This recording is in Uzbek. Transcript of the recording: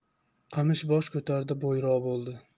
qamish bosh ko'tardi bo'yro bo'ldi